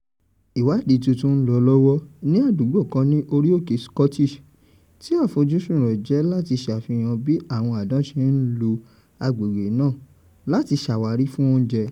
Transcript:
Ìwádìí tuntun ń lọ lọ́wọ́ ní àdúgbọ̀ kan ní Orí òkè Scottish tí àfojúsùn rẹ̀ jẹ́ láti ṣàfihàn bí àwọn àdán ṣe ń lo àgbègbè náà láti ṣàwárí fún oúnjẹ́.